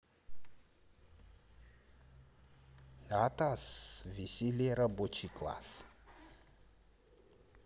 атас веселей рабочий класс